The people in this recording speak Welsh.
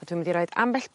A dwi'n mynd i roid ambell